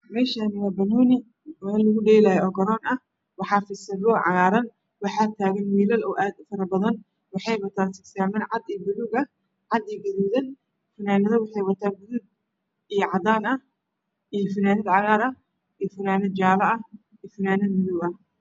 Meeshaani waa banooni oo lugu dheelaayo oo garoon ah waxaa fidsan roog cagaaran waxaa taagan wiilal oo aad u faro badan waxay wataan sigisaaman cad iyo gaduud ah fanaanado gaduud iyo cadaan ah. Fanaanad jaalo ah mid cagaar ah iyo mid madow ah.